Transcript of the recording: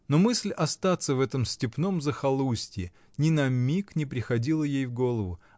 но мысль остаться в этом степном захолустье ни на миг не приходила ей в голову